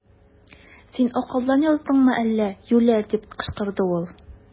Син акылдан яздыңмы әллә, юләр! - дип кычкырды ул.